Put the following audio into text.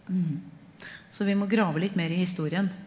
ja så vi må grave litt mer i historien.